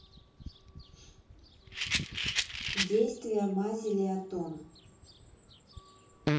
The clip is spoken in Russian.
действие мази леотон